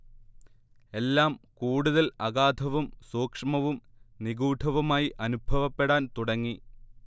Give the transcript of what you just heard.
എല്ലാം കൂടുതൽ അഗാധവും സൂക്ഷ്മവും നിഗൂഢവുമായി അനുഭവപ്പെടാൻ തുടങ്ങി